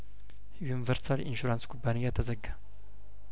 ዩኒቨርሳል ኢንሹራንስ ኩባንያ ተዘጋ